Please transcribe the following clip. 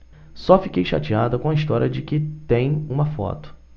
só fiquei chateada com a história de que tem uma foto